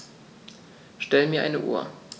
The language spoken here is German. Stell mir eine Uhr.